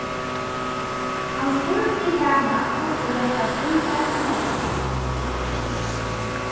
hann spurdi hana hvussu nógvar pengar hon átti